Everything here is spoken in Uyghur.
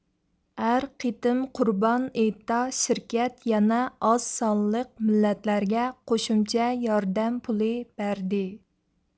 ھەر قېتىم قۇربان ھېيتتا شىركەت يەنە ئاز سانلىق مىللەتلەرگە قوشۇمچە ياردەم پۇلى بەردى